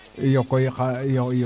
iyo koy iyo